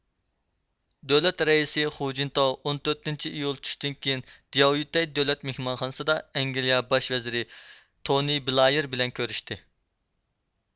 دۆلەت رەئىسى خۇجىنتاۋ ئون تۆتىنچى ئىيۇل چۈشتىن كېيىن دياۋيۈتەي دۆلەت مېھمانخانىسىدا ئەنگلىيە باش ۋەزىرى تونىي بلايىر بىلەن كۆرۈشتى